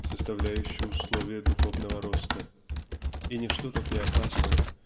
составляющий условие духовного роста и ничто так не опасно